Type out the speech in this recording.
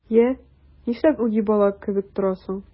Йә, нишләп үги бала кебек торасың?